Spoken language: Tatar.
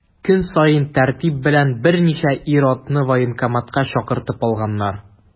Көн саен тәртип белән берничә ир-атны военкоматка чакыртып алганнар.